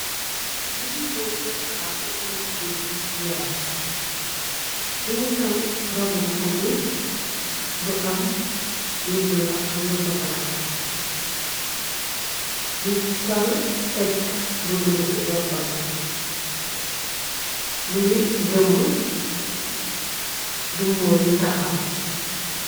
Jigéen bi mi ngi taxaw ci kanam buntu weer, mu ngi sol robbu bu guddu bu am lu bulo ak lu sokola, mu sol tekk bu guddu ci boppam bi, mu ngi gammu, dumoo yu taxaw.